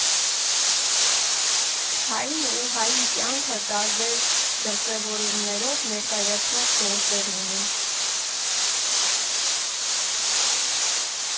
Հային ու հայի կյանքը տարբեր դրսևորումներով ներկայացնող գործեր լինեն։